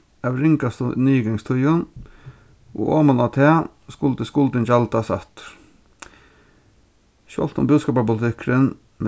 av ringastu niðurgangstíðum og omaná tað skuldi skuldin gjaldast aftur sjálvt um búskaparpolitikkurin